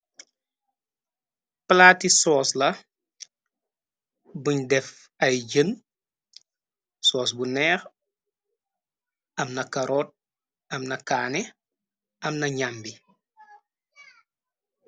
Palaati soos la buñ def ay jën soos bu neex amna karoot amna kaane amna ñambi.